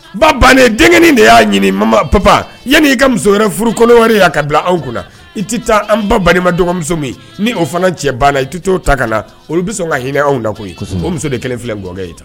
Ba banden denkɛ de y'a ɲini mama pap yanani' ka muso wɛrɛf furukolowale y'a ka bila aw kun i tɛ taa an ba balimama dɔgɔmuso min ni o fana cɛ banna la i tɛ to'o ta ka na olu bɛ sɔn ka hinɛinɛ anw la koyi o muso de kelen filɛkɔkɛ ye ta